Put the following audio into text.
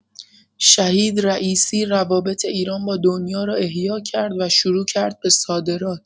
شهید رئیسی روابط ایران با دنیا را احیا کرد و شروع کرد به صادرات.